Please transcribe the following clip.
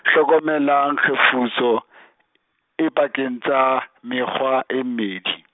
hlokomelang kgefutso , e pakeng tsa, mekga e mmedi.